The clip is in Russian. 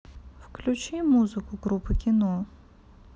включи музыку группы кино